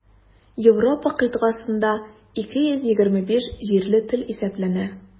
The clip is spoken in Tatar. Европа кыйтгасында 225 җирле тел исәпләнә.